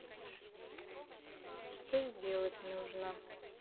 что сделать нужно